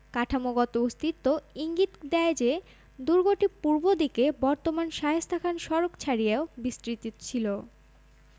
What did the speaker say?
কাঠামোগত অস্তিত্ব ইঙ্গিত দেয় যে দুর্গটি পূর্ব দিকে বর্তমান শায়েস্তা খান সড়ক ছাড়িয়েও বিস্তৃতি ছিল